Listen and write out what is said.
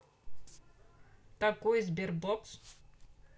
такой sberbox